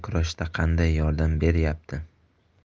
kurashda qanday yordam beryapti